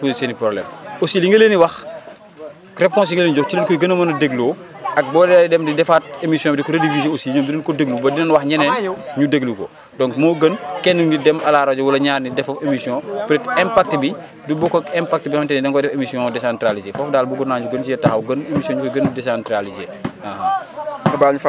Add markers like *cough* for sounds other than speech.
nit ñi dinañ expliqué seen problème *crosstalk* aussi li nga leen di wax *crosstalk* réponses yi nga leen di jox si la ñu koy gën a mën a dégloo ak boo dee dem di defaat émission bi ko rediffusée aussi ñoom dinañu ko déglu ba dinañ wax ñeneen *crosstalk* ñu déglu ko donc moo gën kenn nit dem *crosstalk* à rajo wala ñaari nit def fa émission peut être impact bi du bokk ak impact bi nga xamante ni da nga koo def émission décentralisée foofu daal bëggoon naa ñu gën see taxaw gën émission ñu koy gën a décentralisée *hesitation* *hesitation* *crosstalk*